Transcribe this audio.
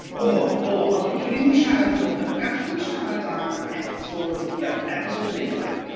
O! O! OK cyn i ni siarad am hwnna, gallwn ni siarad am episode ie episode neithiwr.